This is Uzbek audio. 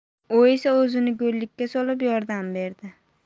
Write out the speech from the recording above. u esa o'zini go'llikka solib yordam berdi